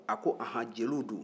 a ko ɔnhɔn jeliw don